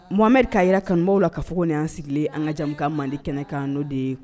Mohamɛdi k'a jira kanubagagɔw la ka fɔ ko nin y'an sigilen an kaj amu kan mandi kɛnɛ kan n'o de ye